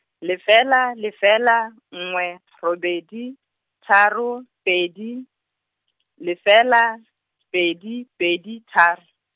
lefela lefela, nngwe, robedi, tharo, pedi, lefela, pedi pedi tharo.